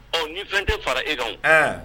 Ɔ ni fɛn tɛ fara e kan wo, an